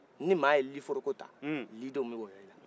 nin mɔgɔ ye li foroko ta lidenw bɛ wɔɔyɔ il la